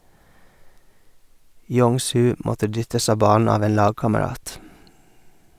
Yong-su måtte dyttes av banen av en lagkamerat.